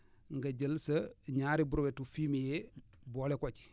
nga jël sa ñaari brouettes fumier boole ko ci